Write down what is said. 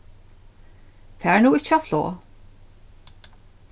far nú ikki á flog